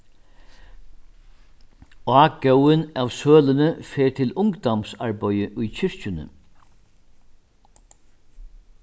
ágóðin av søluni fer til ungdómsarbeiði í kirkjuni